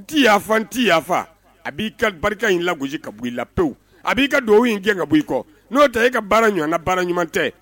U t ci yafafa ti yaa yafafa a b'i ka barika in lagsi ka i la pewu a b'i ka dugawu in kɛ ka bɔ i kɔ n'o tɛ e ka baara ɲɔgɔn na baara ɲuman tɛ